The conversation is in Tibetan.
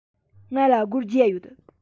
ང ལ སྒོར བརྒྱ ཡོད